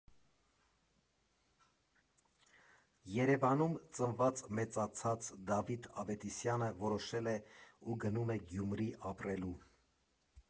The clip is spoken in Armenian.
Երևանում ծնված֊մեծացած Դավիթ Ավետիսյանը որոշել է ու գնում է Գյումրի ապրելու։